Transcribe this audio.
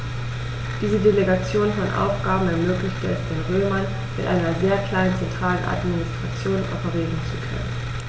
Diese Delegation von Aufgaben ermöglichte es den Römern, mit einer sehr kleinen zentralen Administration operieren zu können.